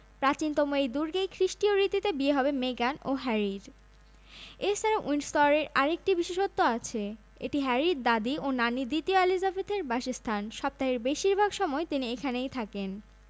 মালিহা ঢুকলো কিন্তু তার মন ভীষণ খারাপ কারণ এবার রেড কার্পেটে কোনো সেলফি তুলতে দেয়নি তাই ঐশ্বরিয়ার সাথে তার সেলফি তোলা হলো না তার মন ভালো করতে হাঁটতে থাকলাম সৈকত ধরে পরিচালক গিল্ডের লাউঞ্জের দিকে